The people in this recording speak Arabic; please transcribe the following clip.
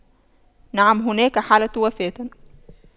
نعم هناك حالة وفاة